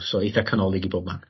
...so eitha canolig i bob man.